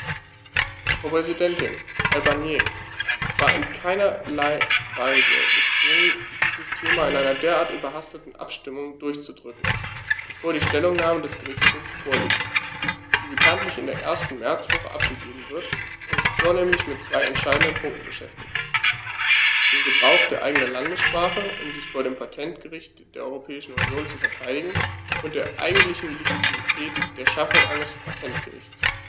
Frau Präsidentin, Herr Barnier war in keinerlei Weise gezwungen, dieses Thema in einer derart überhasteten Abstimmung durchzudrücken, bevor die Stellungnahme des Gerichtshofs vorliegt, die bekanntlich in der ersten Märzwoche abgegeben wird und sich vornehmlich mit zwei entscheidenden Punkten beschäftigt: dem Gebrauch der eigenen Landessprache, um sich vor dem Patentgericht der Europäischen Union zu verteidigen, und der eigentlichen Legitimität der Schaffung eines Patentgerichts.